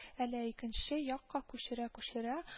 Әле икенче якка күчерә-күчерә